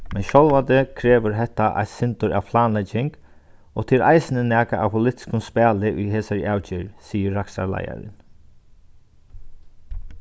men sjálvandi krevur hetta eitt sindur av planlegging og tað er eisini nakað av politiskum spæli í hesari avgerð sigur rakstrarleiðarin